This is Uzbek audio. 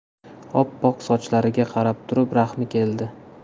oppoq sochlariga qarab turib rahmi keldi